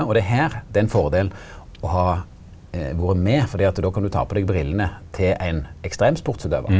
og det her det er ein fordel å ha vore med fordi at då kan du ta på deg brillene til ein ekstremsportsutøvar.